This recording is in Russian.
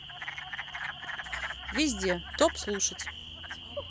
везде топ слушать